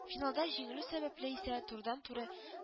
Финалда җиңелү сәбәпле исә турыдан-туры